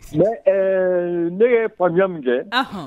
Ee ɛɛ ne ye faya min kɛ